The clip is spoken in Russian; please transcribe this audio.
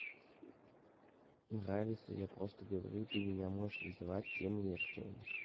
нравится я просто говорю ты меня можешь называть тем и артем